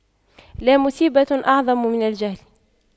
لا مصيبة أعظم من الجهل